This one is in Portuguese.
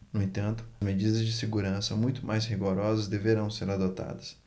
no entanto medidas de segurança muito mais rigorosas deverão ser adotadas